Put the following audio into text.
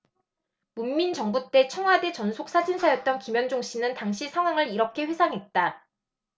문민정부 때 청와대 전속사진사였던 김현종씨는 당시 상황을 이렇게 회상했다